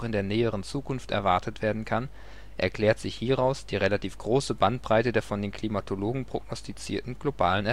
der näheren Zukunft erwartet werden kann, erklärt sich hieraus die relativ große Bandbreite der von den Klimatologen prognostizierten globalen